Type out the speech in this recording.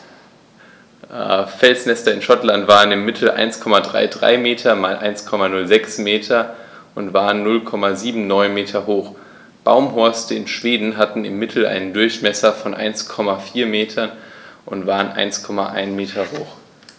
Felsnester in Schottland maßen im Mittel 1,33 m x 1,06 m und waren 0,79 m hoch, Baumhorste in Schweden hatten im Mittel einen Durchmesser von 1,4 m und waren 1,1 m hoch.